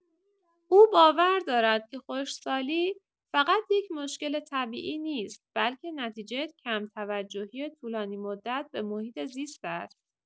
او باور دارد که خشکسالی فقط یک مشکل طبیعی نیست، بلکه نتیجه کم‌توجهی طولانی‌مدت به محیط‌زیست است.